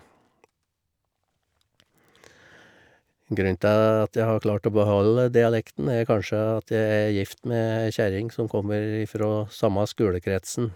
Grunnen til at jeg har klart å beholde dialekten, er kanskje at jeg er gift med ei kjerring som kommer ifra samme skolekretsen.